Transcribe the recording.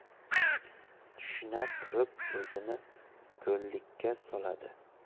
tushuna turib o'zini go'llikka soladi